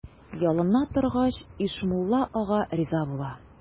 Ялына торгач, Ишмулла ага риза була.